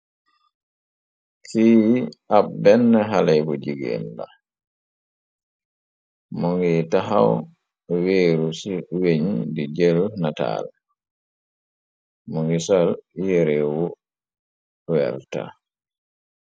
Ci ab benn xale bu jigéen la, mu ngi taxaw wéeru ci weñ di jël nataal, mu ngi sol yeréewu werta.